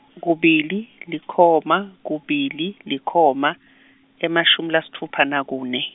kubili, likhoma, kubili, likhoma, emashumi lasitfupha nakune.